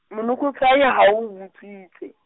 monokotshwai ha o butswitse.